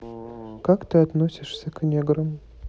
как ты относишься к неграм